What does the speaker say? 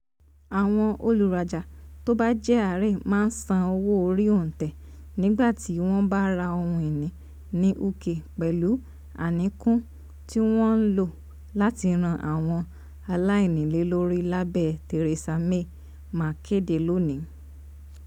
Àwọn olùrajà tó bá jẹ́ àrè máa san owó orí òǹtẹ̀ nígbàtí wọ́n bá ra ohun iní ní UK pẹ̀lú àníkún tí wọ́n lò láti ran àwọn aláìnílélórí lábẹ̀, Therasa May máa kéde lónìí.